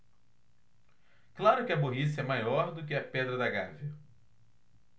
claro que a burrice é maior do que a pedra da gávea